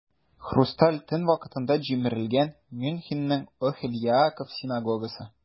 "хрусталь төн" вакытында җимерелгән мюнхенның "охель яаков" синагогасы.